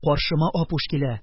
Каршыма Апуш килә: